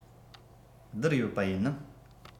བསྡུར ཡོད པ ཡིན ནམ